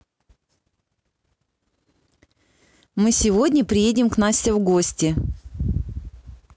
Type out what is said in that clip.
мы сегодня приедем к настя в гости